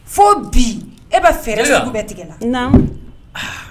Foo bi e bɛ fɛɛrɛ sugu bɛ tigɛ la naamu haaa